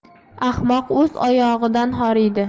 ahmoq o'z oyog'idan horiydi